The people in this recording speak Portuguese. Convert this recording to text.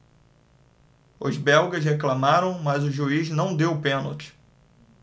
os belgas reclamaram mas o juiz não deu o pênalti